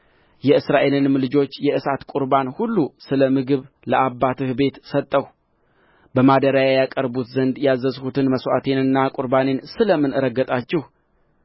የእስራኤልንም ልጆች የእሳት ቍርባን ሁሉ ስለ ምግብ ለአባትህ ቤት ሰጠሁ በማደሪያዬ ያቀርቡት ዘንድ ያዘዝሁትን መሥዋዕቴንና ቍርባኔን ስለ ምን ረገጣችሁ